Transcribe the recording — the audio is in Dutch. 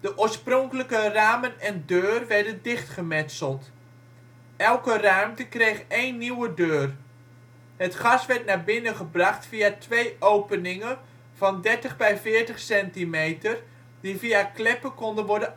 De oorspronkelijke ramen en deur werden dichtgemetseld. Elke ruimte kreeg één nieuwe deur. Het gas werd naar binnen gebracht via twee openingen van 30×40 centimeter, die via kleppen konden worden